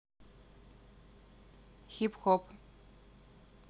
хип хоп